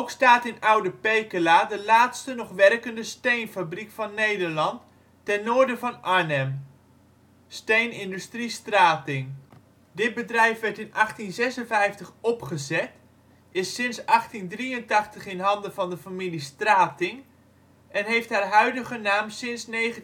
staat in Oude Pekela de laatste nog werkende steenfabriek van Nederland ten noorden van Arnhem; Steenindustrie Strating. Dit bedrijf werd in 1856 opgezet, is sinds 1883 in handen van de familie Strating en heeft haar huidige naam sinds 1970